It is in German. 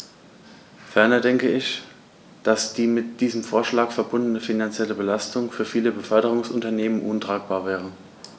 Ferner denke ich, dass die mit diesem Vorschlag verbundene finanzielle Belastung für viele Beförderungsunternehmen untragbar wäre.